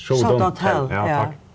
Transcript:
, ja, takk.